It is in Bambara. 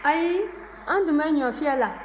ayi an tun bɛ ɲɔfyɛ la